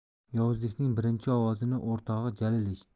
yovuzlikning birinchi ovozini o'rtog'i jalil eshitdi